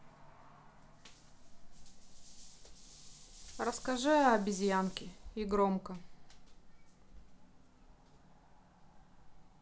расскажи о обезьянке и громко